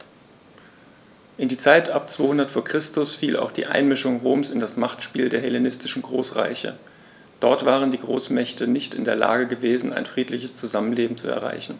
In die Zeit ab 200 v. Chr. fiel auch die Einmischung Roms in das Machtspiel der hellenistischen Großreiche: Dort waren die Großmächte nicht in der Lage gewesen, ein friedliches Zusammenleben zu erreichen.